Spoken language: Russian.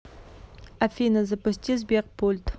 афина запусти сбер пульт